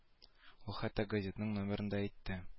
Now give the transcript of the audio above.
Ул хәтта газетаның номерын да әйтте